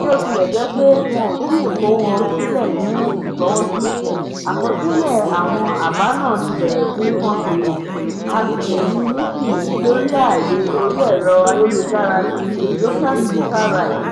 Bí ó tilẹ̀ jẹ́ pé wọn ò tíi kó wọn silẹ fún ìfọwọ́sí, àkọsílẹ̀ àwọn àbá náà ti bẹ̀rẹ̀ síi fọ́n kiri, a sì lè ri nisinyii lórí ààyè orí ẹ̀rọ ayélujára tí European Digital Rights,